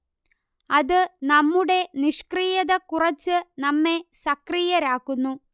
അത് നമ്മുടെ നിഷ്ക്രിയത കുറച്ച് നമ്മെ സക്രിയരാക്കുന്നു